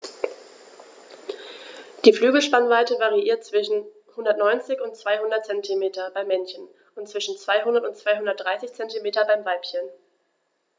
Die Flügelspannweite variiert zwischen 190 und 210 cm beim Männchen und zwischen 200 und 230 cm beim Weibchen.